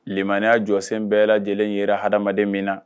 Tilemaniyaa jɔ sen bɛɛ lajɛlen ye ha adamadama min na